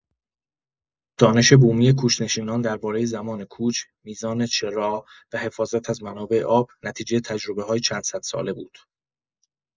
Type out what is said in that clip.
دانش بومی کوچ‌نشینان درباره زمان کوچ، میزان چرا و حفاظت از منابع آب، نتیجه تجربه‌های چندصدساله بود.